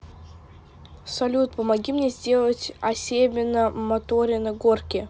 салют помоги мне сделать осебено моторина горки